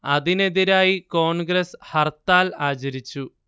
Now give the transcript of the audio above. അതിനെതിരായി കോൺഗ്രസ് ഹർത്താൽ ആചരിച്ചു